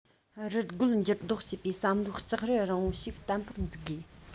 རུལ རྒོལ འགྱུར འགོག བྱེད པའི བསམ བློའི ལྕགས རི རིང པོ ཞིག བརྟན པོར འཛུགས དགོས